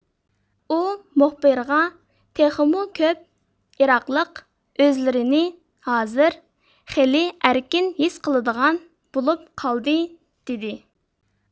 ئۇ مۇخبىرغا تېخىمۇ كۆپ ئىراقلىق ئۆزلىرىنى ھازىر خېلى ئەركىن ھېس قىلىدىغان بولۇپ قالدى دېدى